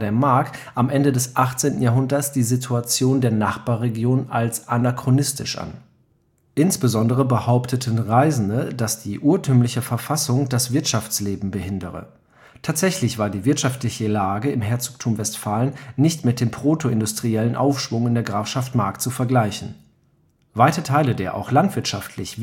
Mark am Ende des 18. Jahrhunderts die Situation der Nachbarregion als anachronistisch an. Kurfürst Max Friedrich von Königsegg-Rothenfels Insbesondere behaupteten Reisende, dass die urtümliche Verfassung das Wirtschaftsleben behindere. Tatsächlich war die wirtschaftliche Lage im Herzogtum Westfalen nicht mit dem protoindustriellen Aufschwung in der Grafschaft Mark zu vergleichen. Weite Teile der auch landwirtschaftlich